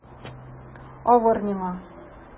Авыр миңа...